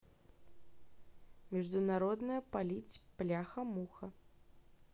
международная полить пляхамуха